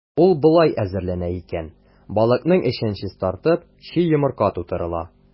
Ул болай әзерләнә икән: балыкның эчен чистартып, чи йомырка тутырыла.